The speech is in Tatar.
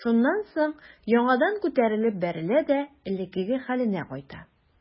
Шуннан соң яңадан күтәрелеп бәрелә дә элеккеге хәленә кайта.